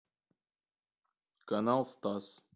канал стас